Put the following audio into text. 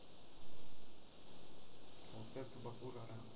концерт в баку жара